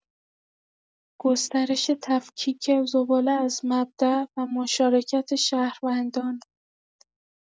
گسترش تفکیک زباله از مبدأ و مشارکت شهروندان